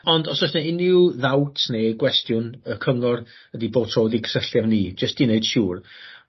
Ond os o's 'na unryw ddowts neu gwestiwn y cyngor ydi bob tro 'di cysylltu efo ni jyst i neud siŵr